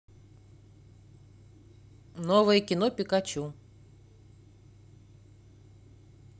новое кино пикачу